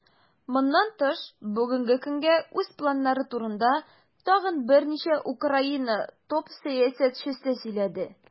Моннан тыш, бүгенге көнгә үз планнары турында тагын берничә Украина топ-сәясәтчесе сөйләде.